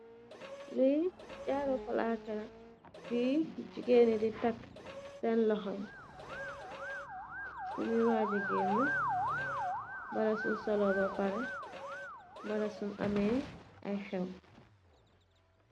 Lii jaaru palaacat la, bi jigéen ñi di takë seen loxo yi, bu ñuy waaja gëënë, Wala suñ solo ba pare, Wala suñ ame ay xew.